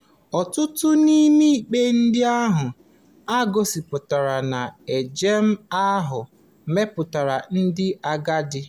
Ọtụtụ n'ime ikpe ndị ahụ e gosipụtara na njem ahụ metụtara ndị agadi.